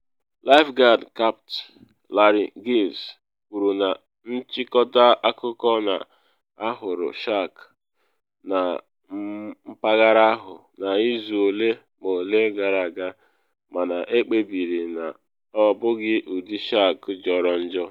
Lifeguard Capt. Larry Giles kwuru na nchịkọta akụkọ na ahụrụ shark na mpaghara ahụ n’izu ole ma ole gara aga, mana ekpebiri na ọ bụghị ụdị shark jọrọ njọ.